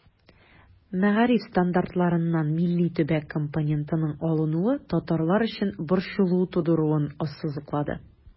Мәгариф стандартларыннан милли-төбәк компонентының алынуы татарлар өчен борчылу тудыруын ассызыклады.